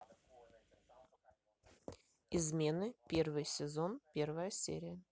измены первый сезон первая серия